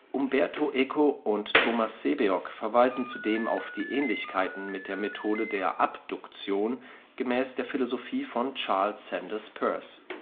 Umberto Eco und Thomas A. Sebeok verweisen zudem auf die Ähnlichkeiten mit der Methode der Abduktion gemäß der Philosophie von Charles S. Peirce